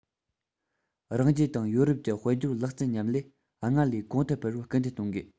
རང རྒྱལ དང ཡོ རོབ ཀྱི དཔལ འབྱོར ལག རྩལ མཉམ ལས སྔར ལས གོང དུ འཕེལ བར སྐུལ འདེད གཏོང དགོས